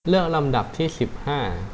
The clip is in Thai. เลือกลำดับที่สิบห้า